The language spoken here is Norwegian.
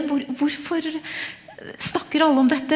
hvor hvorfor snakker alle om dette?